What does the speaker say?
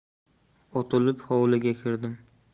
otilib hovliga kirdim